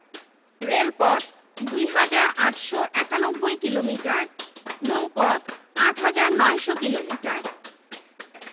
সাতক্ষীরা কক্সবাজার রাঙ্গামাটি এবং ঠাকুরগাঁও উপগ্রহ ভূ কেন্দ্রঃ চট্টগ্রামের বেতবুনিয়া